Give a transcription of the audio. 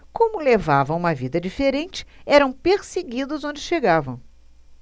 como levavam uma vida diferente eram perseguidos onde chegavam